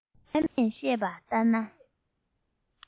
ཨ མས བཤད པ ལྟར ན